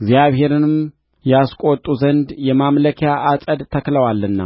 እግዚአብሔርንም ያስቈጡ ዘንድ የማምለኪያ ዐፀድ ተክለዋልና